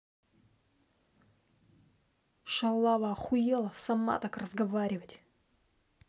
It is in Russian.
шалава охуела сама так разговаривать